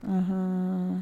Anhaaan